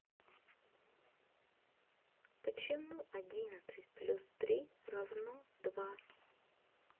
почему одиннадцать плюс три равно два